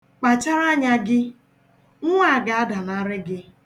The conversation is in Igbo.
Kpachara anya gị, nwa ga-adanarị gị